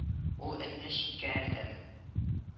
Ул этне читкә әтәрде